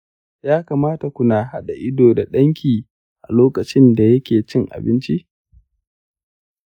ya kamata kuna hada ido da danki a lokacinda yake cin abinci.